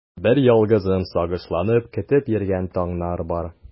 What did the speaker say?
Берьялгызым сагышланып көтеп йөргән таңнар бар.